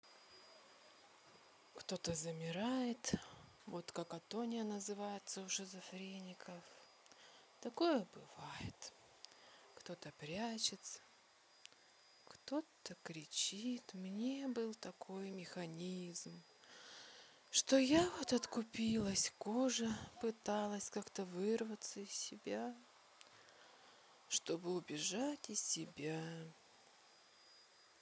кто то замирает вот katatonia называется у шизофреников такое бывает кто то прячется кто то кричит мне был такой механизм что я вот откупилась кожа пыталась как то вырваться из себя чтобы убежать из себя